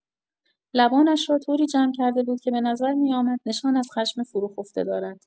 لبانش را طوری جمع کرده بود که به نظر می‌آمد نشان از خشم فروخفته دارد.